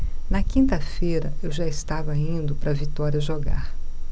na quinta-feira eu já estava indo para vitória jogar